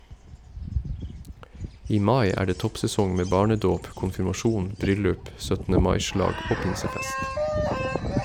I mai er det toppsesong med barnedåp, konfirmasjon, bryllup , 17. mai-slag og pinsefest.